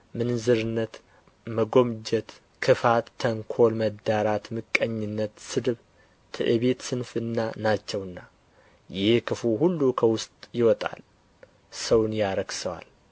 ምንዝርነት መጐምጀት ክፋት ተንኰል መዳራት ምቀኝነት ስድብ ትዕቢት ስንፍና ናቸውና ይህ ክፉው ሁሉ ከውስጥ ይወጣል ሰውን ያረክሰዋል